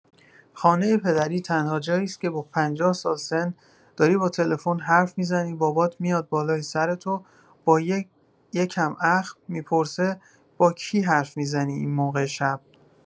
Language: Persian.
خانۀ پدری تنها جایی است که با پنجاه سال سن داری با تلفن حرف می‌زنی، بابات می‌اید بالای سرت وبا یه کم اخم، می‌پرسه: با کی حرف می‌زنی اینموقع شب؟